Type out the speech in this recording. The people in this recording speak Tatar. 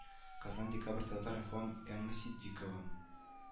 Казан декабрь татар-информ эмма ситдыйкова